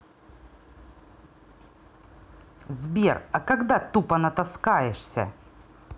сбер а когда тупо натаскаешься